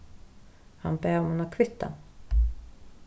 hann bað um eina kvittan